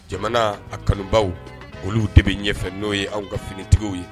Jamana a kanubaw olu de bɛ ɲɛfɛ n'o ye anw ka finitigiw ye